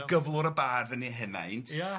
am gyflwr y bardd yn ei henait... Ia.